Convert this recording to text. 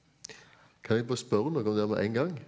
kan jeg bare spørre om noe om det med en gang?